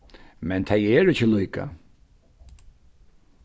men tey eru ikki líka